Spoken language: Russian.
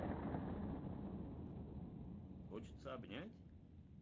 хочется обнять